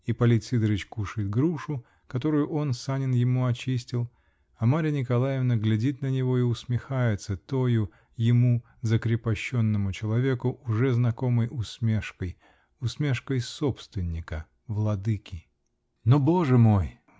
Ипполит Сидорыч кушает грушу, которую он, Санин, ему очистил, а Марья Николаевна глядит на него и усмехается тою, ему, закрепощенному человеку, уже знакомой усмешкой -- усмешкой собственника, владыки. Но боже мой!